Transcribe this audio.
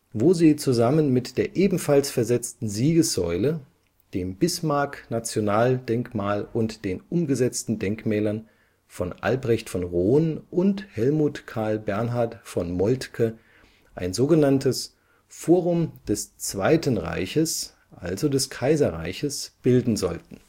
wo sie zusammen mit der ebenfalls versetzten Siegessäule, dem Bismarck-Nationaldenkmal und den umgesetzten Denkmälern von Albrecht von Roon und Helmuth Karl Bernhard von Moltke ein sogenanntes „ Forum des II. Reiches “, also des Kaiserreiches, bilden sollten